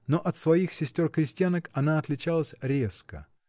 но от своих сестер-крестьянок она отличалась резко.